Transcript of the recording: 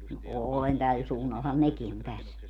no olen tällä suunnallahan nekin on tässä